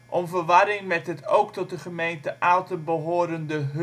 Om verwarring met het ook tot de gemeente Aalten behorende Heurne